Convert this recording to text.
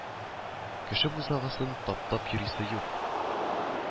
Кеше бусагасын таптап йөрисе юк